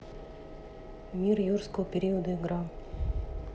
мир юрского периода игра